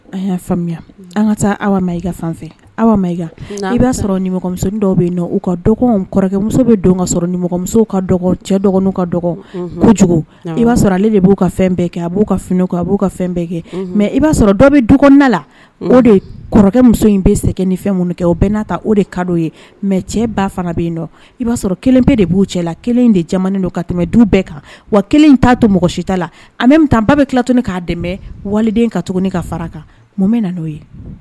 'a an ka taa'a sɔrɔ dɔw bɛ kamuso ka ka kojugu i'a sɔrɔ ale de b'u fɛn bɛɛ kɛ a b' fini kan b' ka fɛn bɛɛ kɛ mɛ i b'a sɔrɔ dɔ bɛ du la o de kɔrɔkɛmuso bɛ segin ni fɛn mun kɛ o bɛɛ n'a ta o de ka ye mɛ cɛ ba bɛ i b'a sɔrɔ kelen bɛɛ de b' cɛ la kelen de don ka tɛmɛ du bɛɛ kan wa kelen t' to mɔgɔ sita la an ba bɛ tilat k'a dɛmɛ waliden ka tuguni ka fara kan mun bɛ na n'o ye